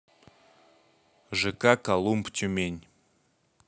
жк колумб тюмень